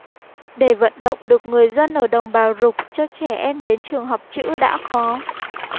để vận động được người dân ở đồng bào rục cho trẻ em đến trường học chữ đã khó